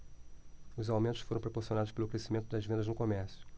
os aumentos foram proporcionados pelo crescimento das vendas no comércio